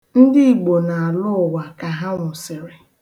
Ndị Igbo na-alọ ụwa ka ha nwụsịrị.